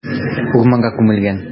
Урманга күмелгән.